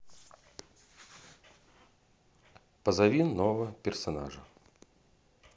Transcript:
позови нового персонажа